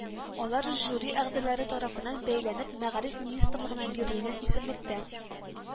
Алар жюри әгъзалары тарафыннан бәяләнеп мәгариф министрлыгына бирелгән исемлектә